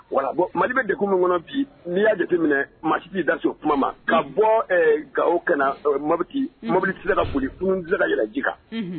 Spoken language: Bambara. Wa bɔn malibe dek min kɔnɔ bi n'i y'a jateminɛ maasi t'i daso kuma ma ka bɔ ga o ka na mɔbiliti mɔbili tɛ se ka foli kunti ka yɛlɛji kan